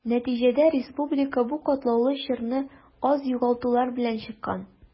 Нәтиҗәдә республика бу катлаулы чорны аз югалтулар белән чыккан.